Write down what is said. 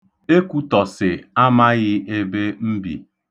Ekwutọsị amaghị ebe m bi.